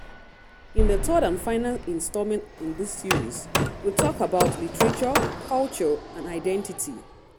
In the third and final instalment in this series, we talk about literature, culture and identity.